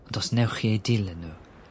ond os newch chi eu dilyn nw,